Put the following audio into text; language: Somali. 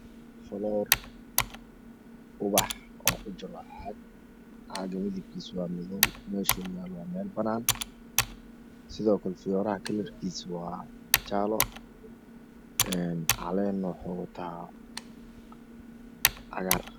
ubax oo kujiro caag caaga midabkiisa waa madoow meeshuu yaalo waa meel banaan sidookale fiyooraha kalarkiisa waa jaale caleen waxa uu wataa cagar ah